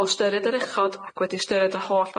O ystyried yr uchod ac wedi ystyried y holl